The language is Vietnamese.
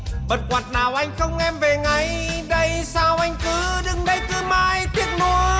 bật quạt nào anh không em về ngay đây sao anh cứ đứng đấy cứ mãi tiếc nuối